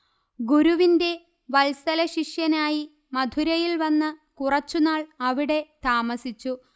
ഗുരുവിന്റെ വത്സലശിഷ്യനായി മധുരയിൽ വന്ന് കുറച്ചുനാൾ അവിടെ താമസിച്ചു